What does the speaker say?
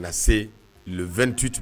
Na se le 28